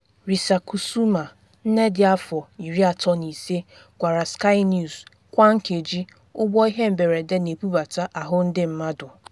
Risa Kusuma, nne dị afọ 35, gwara Sky News: “Kwa nkeji ụgbọ ihe mberede na ebubata ahụ ndị mmadụ.